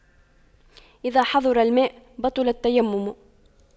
إذا حضر الماء بطل التيمم